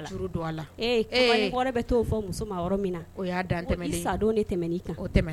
Bɛ min tɛmɛ